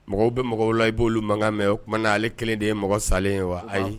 Mɔgɔw bɛ mɔgɔ la i b'oolu mankan mɛn o tumaumana na ale kelen de ye mɔgɔ salen ye wa ayi